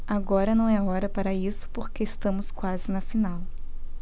agora não é hora para isso porque estamos quase na final